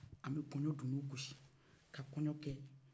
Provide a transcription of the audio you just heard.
an bɛ kɔɲɔ dunun gosi ka kɔɲɔ kɛ